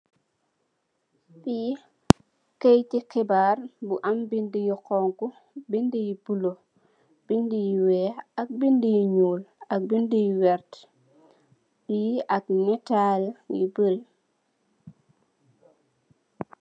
Fi kayetu heebar bu am bindi yu honku, bindi yu bulo, bindi yu weeh ak bindi yu ñuul, bindi yu vert. Yi ak natal yu bari.